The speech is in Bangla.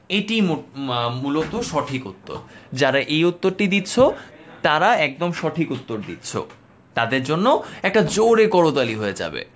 এটি মূলত সঠিক উত্তর যারা এই উত্তরটি দিচ্ছ তারা একদম সঠিক উত্তর দিচ্ছ তাদের জন্য একটা জোরে করতালি হয়ে যাবে